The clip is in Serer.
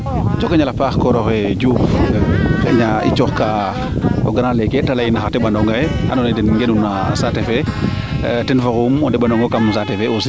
njoko njal a paax o kooroxe Diouf xayna i coox kaa o grand leke te leyna xa teɓanongaxe ando naye den ngenuyo ma no saate fe ten fa xooxum o neɓanongo kam saate fe